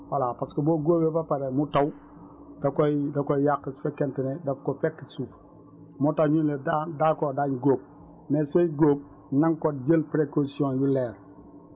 voilà parce que boo góobee ba pare mu taw da koy da koy yàq su fekkente ne daf ko fekk ci suuf moo tax ñu ne daa am d' accord daañu góob mais sooy góob na nga ko jël précaution yu leer